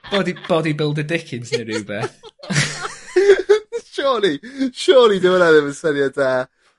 Body body builder Dickens neu rywbeth? Surely surely dyw wnna ddim yn syniad dda!